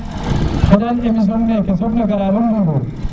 kon i an émission neke soog na gara lul nɗudnur